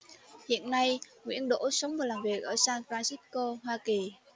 hiện nay nguyễn đỗ sống và làm việc ở san francisco hoa kì